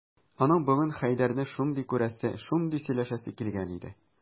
Аның бүген Хәйдәрне шундый күрәсе, шундый сөйләшәсе килгән иде...